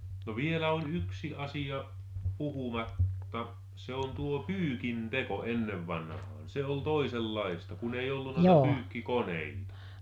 no vielä on yksi asia puhumatta se on tuo pyykinteko ennen vanhaan se oli toisenlaista kun ei ollut pyykkikoneita